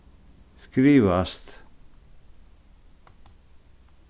skrivast